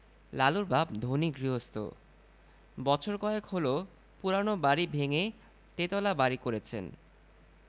লালুর বাপ ধনী গৃহস্থ বছর কয়েক হলো পুরানো বাড়ি ভেঙ্গে তেতলা বাড়ি করেছেন